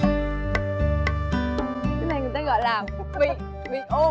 cái này người ta gọi là bị bị ôm